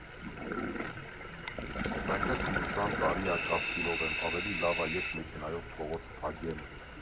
Բայց էս մի քսան տարի ա կաստիլով եմ, ավելի լավ ա ես մեքենայով փողոց փագեմ։